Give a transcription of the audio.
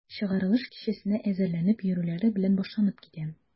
Чыгарылыш кичәсенә әзерләнеп йөрүләре белән башланып китә.